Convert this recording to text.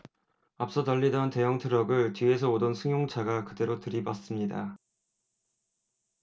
앞서 달리던 대형 트럭을 뒤에서 오던 승용차가 그대로 들이받습니다